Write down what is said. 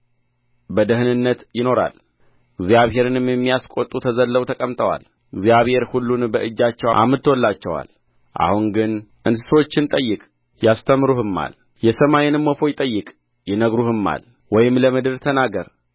በደኅንነት ይኖራል እግዚአብሔርንም የሚያስቈጡ ተዘልለው ተቀምጠዋል እግዚአብሔር ሁሉን በእጃቸው አምጥቶላቸዋል አሁን ግን እንስሶችን ጠይቅ ያስተምሩህማል የሰማይንም ወፎች ጠይቅ ይነግሩህማል ወይም ለምድር ተናገር